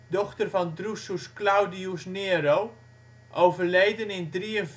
dochter van Drusus Claudius Nero (overleden 43) Gaius